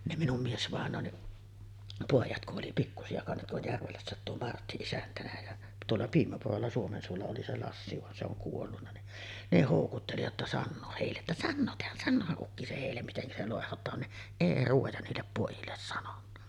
ne minun miesvainajani pojat kun oli pikkuisia kanssa tuo Järvelässäkin tuo Martti isäntänä ja tuolla Piimäpurolla Suomensuolla oli se Lassi vaan se on kuollut niin ne houkutteli jotta sanoa heille että sanottehan sanoahan ukki se heille miten se loihdotaan niin ei ruoja niille pojille sanonut